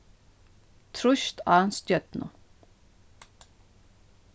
trýst á stjørnu